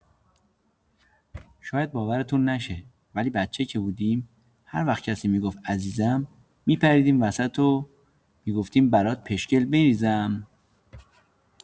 شاید باورتون نشه ولی بچه که بودیم هروقت کسی می‌گفت عزیزم می‌پریدیم وسط و می‌گفتیم برات پشکل می‌ریزم.